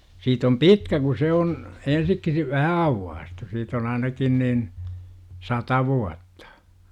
siitä on pitkä kun se on -- vähän aukaistu siitä on ainakin niin sata vuotta